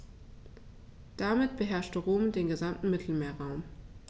Damit beherrschte Rom den gesamten Mittelmeerraum.